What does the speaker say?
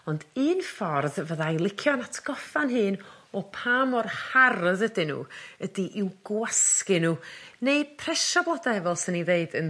ond un ffordd fyddai licio'n atgoffa'n hyn o pa mor hardd ydyn n'w ydi i'w gwasgu n'w neu presio blodau fel swn i ddeud yn...